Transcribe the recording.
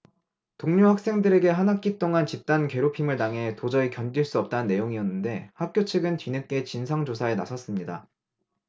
동료 학생들에게 한 학기 동안 집단 괴롭힘을 당해 도저히 견딜 수 없다는 내용이었는데 학교 측은 뒤늦게 진상조사에 나섰습니다